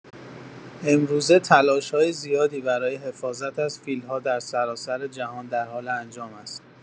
امروزه، تلاش‌های زیادی برای حفاظت از فیل‌ها در سراسر جهان در حال انجام است.